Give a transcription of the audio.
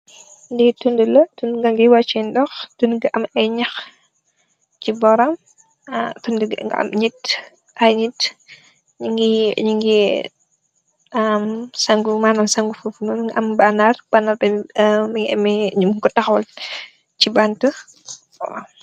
Li tund la, tund ga ngi wàche ndox tungi am ay ñyax ci boram, tundgi mungi am ay nit i ngi manam sangu fafunnam bannar pannr ko taxwal ci bant waw.